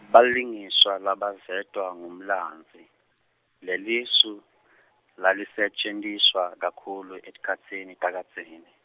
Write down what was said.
balingiswa labavetwa ngumlandzi, lelisu , lalisetjentiswa kakhulu etikhatsini takadzeni.